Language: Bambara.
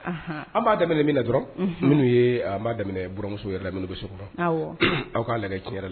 An'a daminɛ min na dɔrɔn minnu ye' daminɛ bmuso yɛrɛ bɛ so kɔnɔ aw k'aale tiɲɛ yɛrɛ